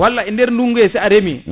walla e nder nduggu he i areemi